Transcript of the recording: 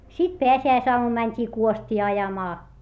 sitten pääsiäisaamuna mentiin kuostia ajamaan